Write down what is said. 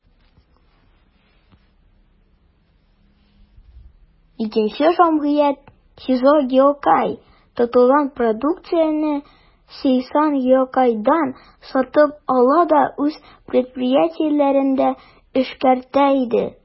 Икенче җәмгыять, «Сейзо Гиокай», тотылган продукцияне «Сейсан Гиокайдан» сатып ала да үз предприятиеләрендә эшкәртә иде.